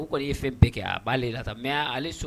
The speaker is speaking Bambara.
Ko kɔni ye fɛn bɛɛ kɛ a b'a le